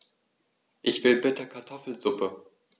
Ich will bitte Kartoffelsuppe.